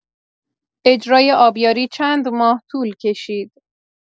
اجرای آبیاری چند ماه طول کشید.